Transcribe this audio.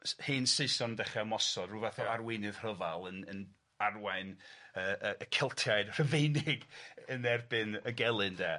S- hen Saeson dechre ymosod ryw fath o arweinydd rhyfal yn yn arwain yy yy y Celtiaid Rhufeinig yn erbyn y gelyn 'de.